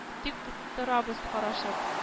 Тик тоттырабыз карашып